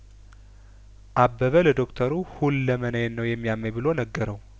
አበበ ለዶክተሩ ሁለመናዬን ነው የሚያመኝ ብሎ ነገረው